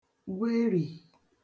gwerì